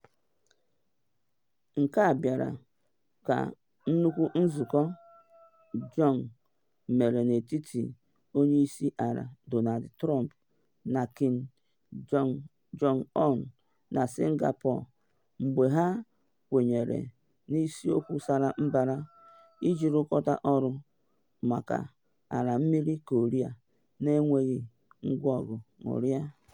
Nke a bịara ka nnukwu nzụkọ Juun mere n’etiti Onye Isi Ala Donald Trump na Kim Jong-un na Singapore, mgbe ha kwenyere n’isiokwu sara mbara iji rụkọta ọrụ maka ala mmiri Korea na enweghị ngwa ọgụ nuklịa.